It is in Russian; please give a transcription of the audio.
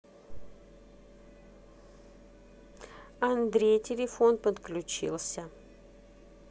андрей телефон подключился